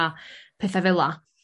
...a petha fela.